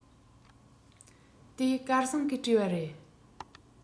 དེ སྐལ བཟང གིས བྲིས པ རེད